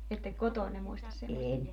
ette kotoanne muista semmoista